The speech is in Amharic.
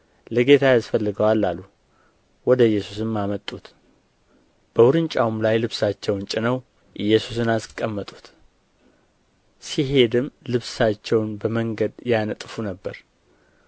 ለጌታ ያስፈልገዋል አሉ ወደ ኢየሱስም አመጡት በውርንጫውም ላይ ልብሳቸውን ጭነው ኢየሱስን አስቀመጡት ሲሄድም ልብሳቸውን በመንገድ ያነጥፉ ነበር